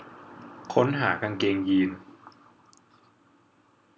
ค้นหากางเกงยีน